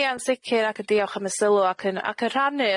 Ia'n sicir ac yn diolch am y sylw ac yn ac yn rhannu